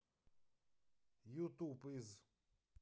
ютуб из